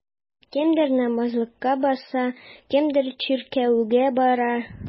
Кемдер намазлыкка басса, кемдер чиркәүгә бара.